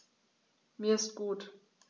Mir ist gut.